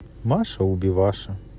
маша убиваша